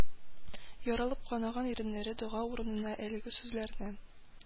Ярылып канаган иреннәре дога урынына әлеге сүзләрне